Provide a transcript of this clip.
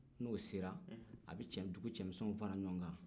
n'o sera a bɛ dugu cɛmisinw fara ɲɔgɔn kan